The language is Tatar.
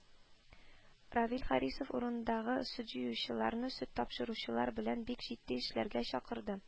Равил Харисов урыннардагы сөт җыючыларны сөт тапшыручылар белән бик җитди эшләргә чакырды